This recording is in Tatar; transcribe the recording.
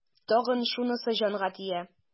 Тагын шунысы җанга тия.